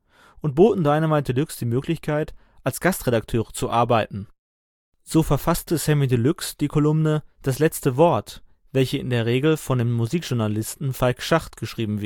und boten Dynamite Deluxe die Möglichkeit als Gast-Redakteure zu arbeiten. So verfasste Samy Deluxe die Kolumne Das letzte Wort, welche in der Regel von dem Musikjournalisten Falk Schacht geschrieben